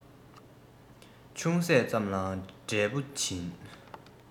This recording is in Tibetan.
ཅུང ཟད ཙམ ལའང འབྲས བུ འབྱིན